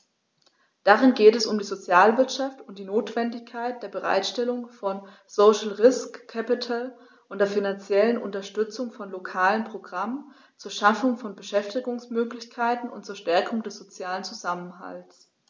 Darin geht es um die Sozialwirtschaft und die Notwendigkeit der Bereitstellung von "social risk capital" und der finanziellen Unterstützung von lokalen Programmen zur Schaffung von Beschäftigungsmöglichkeiten und zur Stärkung des sozialen Zusammenhalts.